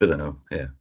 Byddan nhw, ia.